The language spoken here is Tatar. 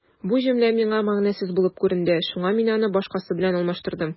Бу җөмлә миңа мәгънәсез булып күренде, шуңа мин аны башкасы белән алмаштырдым.